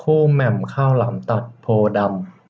คู่แหม่มข้าวหลามตัดโพธิ์ดำ